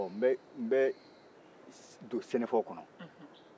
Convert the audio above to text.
n bɛ don sɛnɛfɔ kɔnɔ